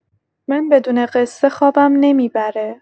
من بدون قصه خوابم نمی‌بره.